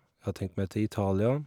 Jeg har tenkt meg til Italia.